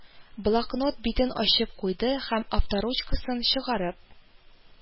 Блокнот битен ачып куйды һәм авторучкасын чыгарып